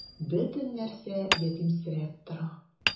Бөтен нәрсә ятимсерәп тора.